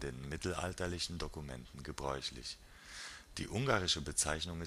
mittelalterlichen Dokumenten gebräuchlich. Die ungarische Bezeichnung